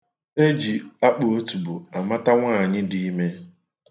E ji akpụotubo amata nwaanyị dị ime.